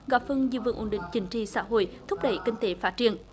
góp phần giữ vững ổn định chính trị xã hội thúc đẩy kinh tế phát triển